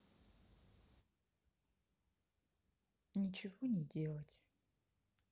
ничего не делать